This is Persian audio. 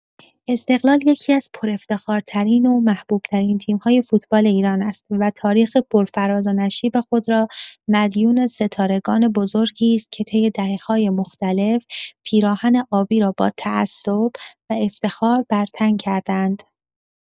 استقلال یکی‌از پرافتخارترین و محبوب‌ترین تیم‌های فوتبال ایران است و تاریخ پرفراز و نشیب خود را مدیون ستارگان بزرگی است که طی دهه‌های مختلف پیراهن آبی را با تعصب و افتخار بر تن کرده‌اند.